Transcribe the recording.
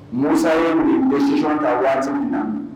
Musa ye nin bɛ sisiɔn taso min na